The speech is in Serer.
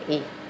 i